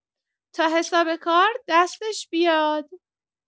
تا حساب کار دستش بیاد.